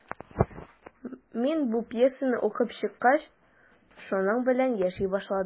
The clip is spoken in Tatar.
Мин бу пьесаны укып чыккач, шуның белән яши башладым.